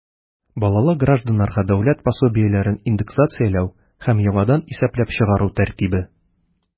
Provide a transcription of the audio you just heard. Балалы гражданнарга дәүләт пособиеләрен индексацияләү һәм яңадан исәпләп чыгару тәртибе.